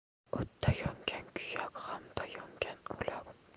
o'tda yongan kuyar g'amda yongan o'lar